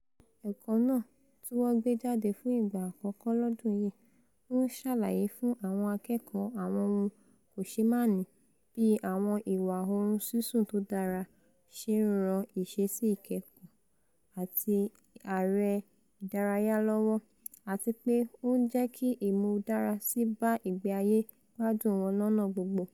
Ẹ̀kọ́ náà, tíwọ́n gbé jáde fún ìgbà àkọ́kọ́ lọ́dún yìí, ń ṣàlàyé fún àwọn akẹ́kọ̀ọ́ àwọn ohun kòṣeémáàní bí àwọn ìwà oorun sísùn tódára ṣe ńran ìṣeṣí ìkẹ́kọ̀ọ́ àti aré ìdárayá lọ́wọ́, àtipé ó ń jẹ́kí ìmúdárasíi bá ìgbáyé-gbádùn wọn lọ́nà gbogbo.